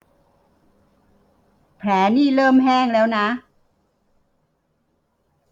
แผลนี่เริ่มแห้งแล้วนะ